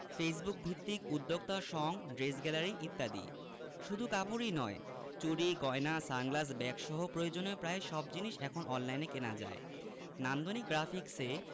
ফেসবুকভিত্তিক উদ্যোক্তা সঙ ড্রেস গ্যালারি ইত্যাদি শুধু কাপড়ই নয় চুড়ি গয়না সানগ্লাস ব্যাগসহ প্রয়োজনীয় প্রায় সব জিনিস এখন অনলাইনে কেনা যায় নান্দনিক গ্রাফিকসে